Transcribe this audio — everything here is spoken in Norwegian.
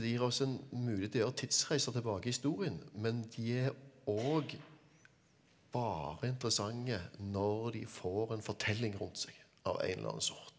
de gir oss en mulighet til å gjøre tidsreiser tilbake i historien, men de er òg bare interessante når de får en fortelling rundt seg av en eller annen sort.